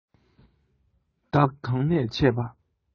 བདག གང ནས ཆས པ